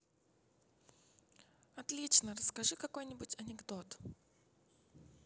отлично расскажи какой нибудь анекдот